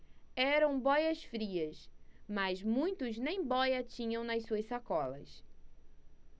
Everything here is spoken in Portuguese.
eram bóias-frias mas muitos nem bóia tinham nas suas sacolas